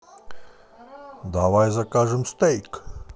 давай закажем стейк